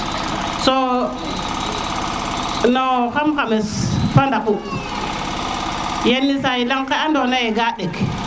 soo no xam xames fa ɗaɓu yeni saay lang ke ando na ga ɗeng